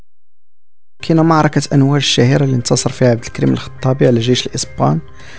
شنو معركه انو الشهر اللي انتصر فيها عبد الكريم الخطابي الجيش الاسباني